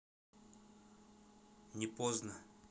не поздно